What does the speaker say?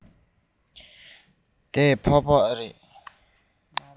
འདི ཕག པ རེད པས